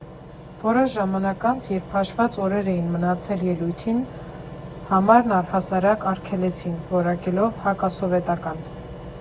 Որոշ ժամանակ անց, երբ հաշված օրեր էին մնացել ելույթին, համարն առհասարակ արգելեցին՝ որակելով հակասովետական։